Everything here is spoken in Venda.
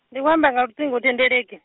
ndi amba nga luṱingo thendeleki.